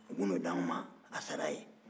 u bɛ n'o d'an ma a sara ye